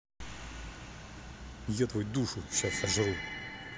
я твой душу сейчас сожру